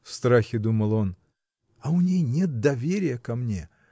— в страхе думал он, — а у ней нет доверия ко мне.